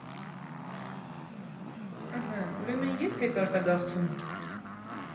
Ըհը, ուրեմն ե՞րբ եք արտագաղթում։